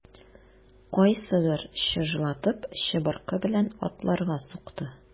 Кайсыдыр чыжлатып чыбыркы белән атларга сукты.